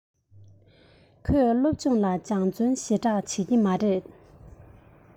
ཁོས སློབ སྦྱོང ལ སྦྱོང བརྩོན ཞེ དྲགས བྱེད ཀྱི མ རེད